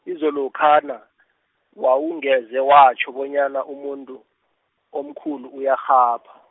izolokha na wawungeze watjho bonyana umuntu, omkhulu uyarhapha.